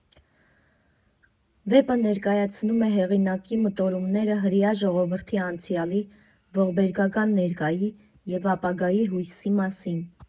Վեպը ներկայացնում է հեղինակի մտորումները հրեա ժողովրդի անցյալի, ողբերգական ներկայի և ապագայի հույսի մասին։